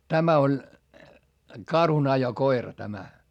tämä oli karhunajokoira tämä